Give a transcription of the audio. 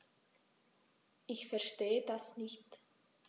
Ich verstehe das nicht.